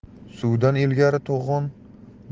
suvdan ilgari to'g'on